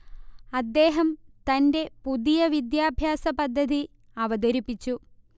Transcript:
അദ്ദേഹം തന്റെ പുതിയ വിദ്യാഭ്യാസപദ്ധതി അവതരിപ്പിച്ചു